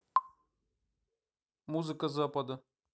музыка запада